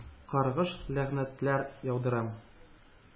Каргыш-ләгънәтләр яудырам.